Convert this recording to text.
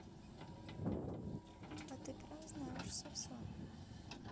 а ты прям знаешь все все